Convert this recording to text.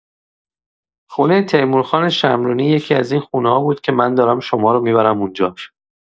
خونۀ تیمورخان شمرونی یکی‌از این خونه‌ها بود که من دارم شمارو می‌برم اونجا.